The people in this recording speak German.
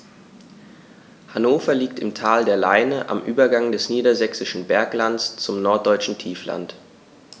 Hannover liegt im Tal der Leine am Übergang des Niedersächsischen Berglands zum Norddeutschen Tiefland.